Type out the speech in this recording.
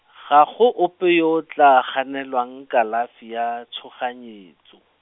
ga go ope yo o tla ganelwang kalafi ya tshoganyetso.